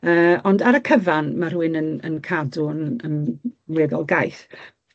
Yy ond ar y cyfan ma' rhywun yn yn cadw'n yn weddol gaeth.